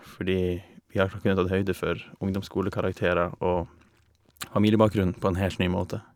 Fordi vi iallfall kunnet tatt høyde for ungdomsskolekarakterer og familiebakgrunn på en helt ny måte.